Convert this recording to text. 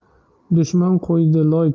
dushman qo'ydi loy